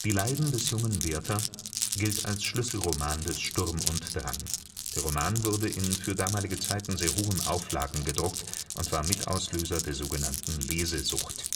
Leiden des jungen Werther “gilt als Schlüsselroman des Sturm und Drang. Der Roman wurde in für damalige Zeiten sehr hohen Auflagen gedruckt und war Mitauslöser der sogenannten Lesesucht